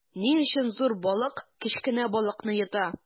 Ни өчен зур балык кечкенә балыкны йота?